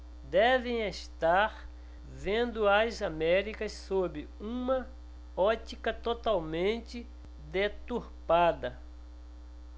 devem estar vendo as américas sob uma ótica totalmente deturpada